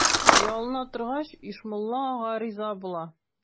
Ялына торгач, Ишмулла ага риза була.